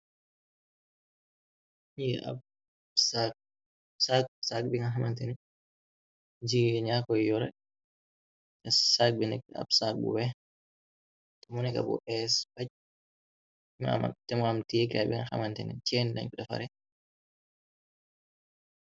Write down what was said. Ñi ak saak saag bi nga xamantene jige ñakoy yore, te saag bi nek ab saag bu wex te moneka bu ees paj ñmtemu am tekaay binga xamantene cheen lañ ko defare.